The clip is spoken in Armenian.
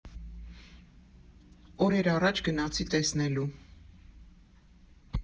Օրեր առաջ գնացի տեսնելու։